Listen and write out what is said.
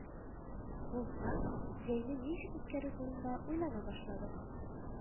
Булса, җәйне ничек үткәрү турында уйлана башладык